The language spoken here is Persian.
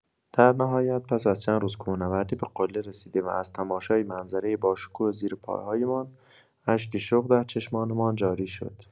در نهایت، پس از چند روز کوهنوردی، به قله رسیدیم و از تماشای منظرۀ باشکوه زیر پاهایمان، اشک شوق در چشمانمان جاری شد.